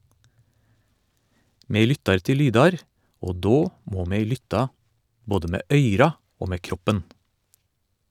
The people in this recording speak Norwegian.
Me lyttar til lydar, og då må me lytta både med øyra og med kroppen.